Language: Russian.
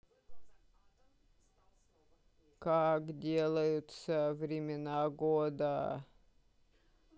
как делаются времена года